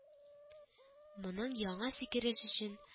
Моның яңа сикереш өчен